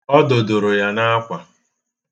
Ọ dọdoro ya n'akwa.